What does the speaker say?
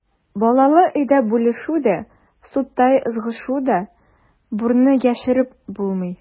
Балалы өйдә бүлешү дә, судта ызгышу да, бурны яшереп булмый.